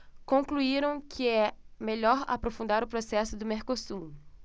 concluíram que é melhor aprofundar o processo do mercosul